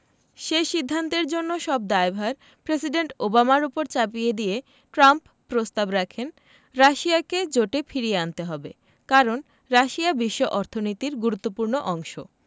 সে সিদ্ধান্তের জন্য সব দায়ভার প্রেসিডেন্ট ওবামার ওপর চাপিয়ে দিয়ে ট্রাম্প প্রস্তাব রাখেন রাশিয়াকে জোটে ফিরিয়ে আনতে হবে কারণ রাশিয়া বিশ্ব অর্থনীতির গুরুত্বপূর্ণ অংশ